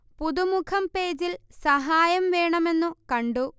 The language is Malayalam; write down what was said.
പുതുമുഖം പേജിൽ സഹായം വേണമെന്നു കണ്ടു